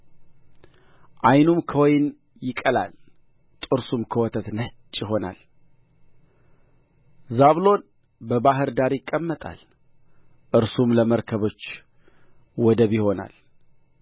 ዓይኑም ከወይን ይቀላል ጥርሱም ከወተት ነጭ ይሆናል ዛብሎን በባሕር ዳር ይቀመጣል እርሱም ለመርከቦች ወደብ ይሆናል